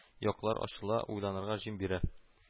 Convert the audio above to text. Яклар ачыла, уйланырга җим бирә